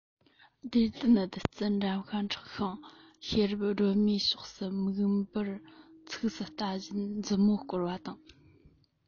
བདེ ལྡན བདུད རྩི འགྲམ ཤ འཁྲིགས ཤིང ཤེས རབ སྒྲོལ མའི ཕྱོགས སུ མིག འབུར ཚུགས སུ ལྟ བཞིན མཛུབ མོར བསྐོར བ དང